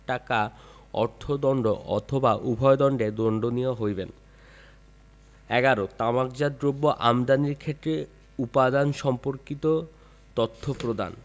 টাকা অর্থ দন্ড অথবা উভয় দণ্ডে দন্ডনীয় হইবেন ১১ তামাকজাত দ্রব্য আমদানির ক্ষেত্রে উপাদান সম্পর্কিত তথ্য প্রদানঃ